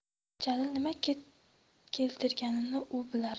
jalil nima keltirganini u bilardi